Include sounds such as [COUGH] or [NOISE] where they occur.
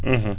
[HESITATION] [HESITATION]